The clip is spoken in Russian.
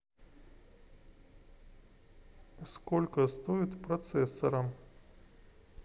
сколько стоит процессорам